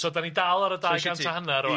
So 'dan ni'n dal ar y dau gant a hannar rŵan?